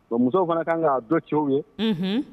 Bon musow fana kan k'a dɔn cɛw ye